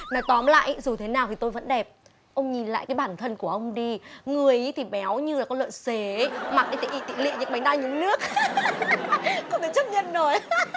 nói tóm lại dù thế nào thì tôi vẫn đẹp ông nhìn lại cái bản thân của ông đi người í thì béo như là con lợn xề í mặt í thì ị tị lị như bánh đa nhúng nước há há há há không thể chấp nhận nổi há há